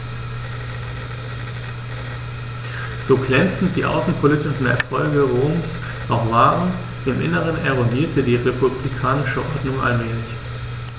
So glänzend die außenpolitischen Erfolge Roms auch waren: Im Inneren erodierte die republikanische Ordnung allmählich.